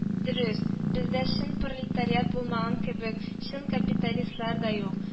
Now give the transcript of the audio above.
Дөрес, бездә чын пролетариат булмаган кебек, чын капиталистлар да юк